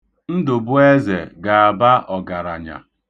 Ndụbụeze ga-aba ọgaranya.